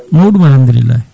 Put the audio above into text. mawɗum alhamdurillahi